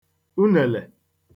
unèlè